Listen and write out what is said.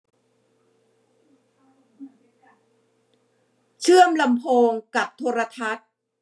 เชื่อลำโพงกับโทรทัศน์